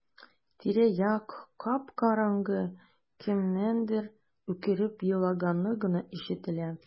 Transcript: Тирә-як кап-караңгы, кемнеңдер үкереп елаганы гына ишетелә.